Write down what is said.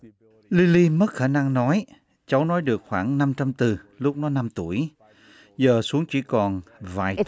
lily mất khả năng nói cháu nói được khoảng năm trăm từ lúc nó năm tuổi giờ xuống chỉ còn vài